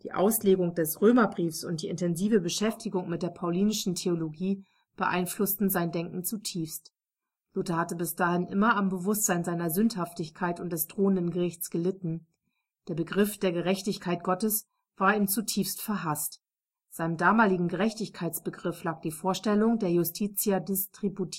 Auslegung des Römerbriefs und die intensive Beschäftigung mit der paulinischen Theologie beeinflussten sein Denken zutiefst. Luther hatte bis dahin immer am Bewusstsein seiner Sündhaftigkeit und des drohenden Gerichts gelitten. Der Begriff der „ Gerechtigkeit Gottes “war ihm zutiefst verhasst. Seinem damaligen Gerechtigkeitsbegriff lag die Vorstellung der iusititia distributiva